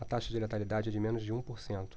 a taxa de letalidade é de menos de um por cento